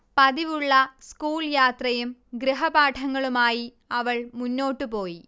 പതിവുള്ള school യാത്രയും ഗൃഹപാഠങ്ങളുമായി അവൾ മുന്നോട്ടുപോയി